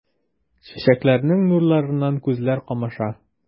Чәчәкләрнең нурларыннан күзләр камаша.